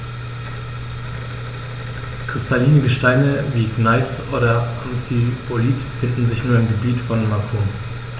Kristalline Gesteine wie Gneis oder Amphibolit finden sich nur im Gebiet von Macun.